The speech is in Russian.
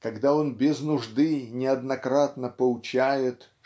когда он без нужды неоднократно поучает